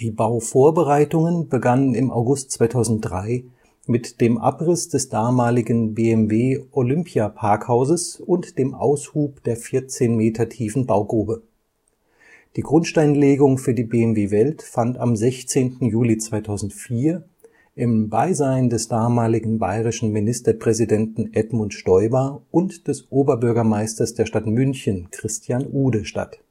Bauvorbereitungen begannen im August 2003 mit dem Abriss des damaligen BMW Olympia-Parkhauses und dem Aushub der 14 Meter tiefen Baugrube. Die Grundsteinlegung für die BMW Welt fand am 16. Juli 2004 im Beisein des damaligen bayerischen Ministerpräsidenten Edmund Stoiber und des Oberbürgermeisters der Stadt München Christian Ude statt